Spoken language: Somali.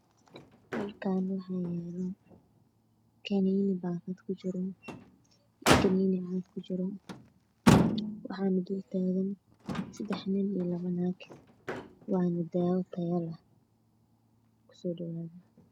Halkaan waxaa yaalo kaniini ku jiro baakad iyo kaniini kale ugu jiro bac kup waxaana dul taagan laba nin iyo saddex naag